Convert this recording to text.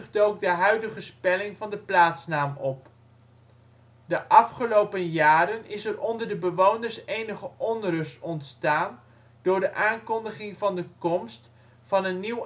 dook de huidige spelling van de plaatsnaam op. Haven van Veessen De afgelopen jaren is er onder de bewoners enige onrust ontstaan door de aankondiging van de komst van een nieuw